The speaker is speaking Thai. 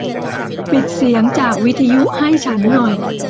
ปิดเสียงจากวิทยุให้ฉันหน่อย